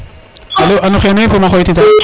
alo ano xene fo ma xooy tita